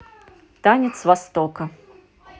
танец востока